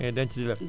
dangay denc di leb